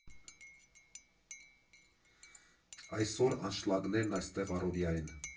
Այսօր անշլագներն այստեղ առօրյա են։